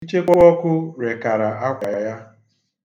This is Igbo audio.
Ichekuọkụ rekara akwa ya.